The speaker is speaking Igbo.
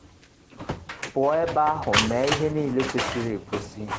Pụọ ebe ahụ mee ihe niile kwesịrị ekwesị.